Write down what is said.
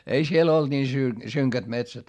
ei siellä ollut niin - synkät metsät